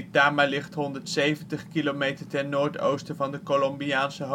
Duitama ligt 170 kilometer ten noordoosten van de Colombiaanse